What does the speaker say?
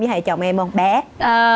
hai chồng em bé